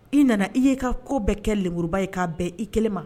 I nana i yee ka kɔ bɛɛ kɛ uruba ye k'a bɛn i kelen ma